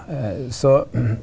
så .